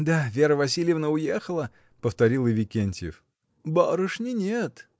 — Да, Вера Васильевна уехала, — повторил и Викентьев. — Барышни нет!